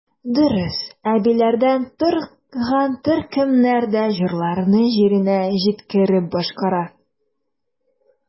Дөрес, әбиләрдән торган төркемнәр дә җырларны җиренә җиткереп башкара.